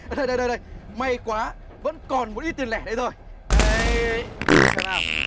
đây đây đây may quá vẫn còn một ít tiền lẻ đây rồi đây anh xem nào